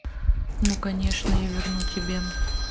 ну конечно я верну тебе